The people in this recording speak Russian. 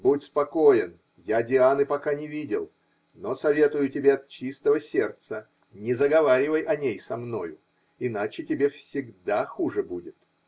Будь спокоен, я Дианы пока не видел, но советую тебе от чистого сердца -- не заговаривай о ней со мною, иначе тебе всегда хуже будет.